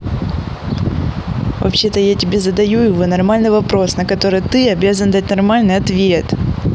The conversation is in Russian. вообще то я тебе задаю его нормальный вопрос на который ты обязан дать нормальный ответ